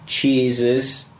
Cheeses.